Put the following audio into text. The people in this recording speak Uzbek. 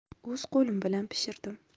o'z qo'lim bilan pishirdim